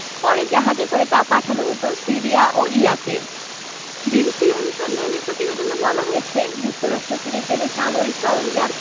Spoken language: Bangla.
পরে জাহাজে করে তা পাঠানো হতো সিরিয়া ও ইরাকে বিবিসির অনুসন্ধানী প্রতিবেদনে বলা হয়েছে যুক্তরাষ্ট্র থেকে কেনা সামরিক সরঞ্জাম